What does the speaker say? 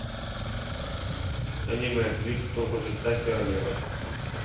аниме клип кто хочет стать королевой